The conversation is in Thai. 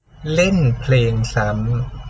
เล่นเพลงซ้ำ